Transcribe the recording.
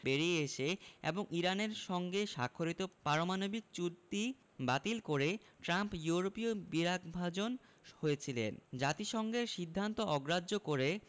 বেরিয়ে এসে এবং ইরানের সঙ্গে স্বাক্ষরিত পারমাণবিক চুক্তি বাতিল করে ট্রাম্প ইউরোপীয়দের বিরাগভাজন হয়েছিলেন জাতিসংঘের সিদ্ধান্ত অগ্রাহ্য করে